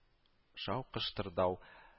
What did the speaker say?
Шау-кыштырдау